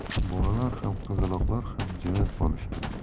bolalar ham qizaloqlar ham jimib qolishadi